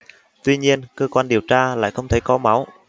tuy nhiên cơ quan điều tra lại không thấy có máu